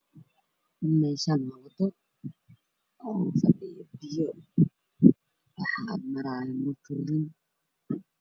Meeshaan waa wado waxaa fadhiyo biyo waxaa maraayo mootooyin.